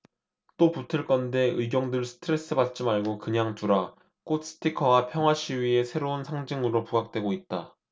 또 붙을 건데 의경들 스트레스 받지 말고 그냥 두라 꽃 스티커가 평화시위의 새로운 상징으로 부각되고 있다